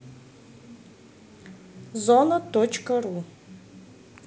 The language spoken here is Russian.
зона точка ру